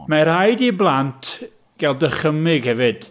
Mae rhaid i blant gael dychymyg hefyd.